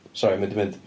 Sori, mae o 'di mynd.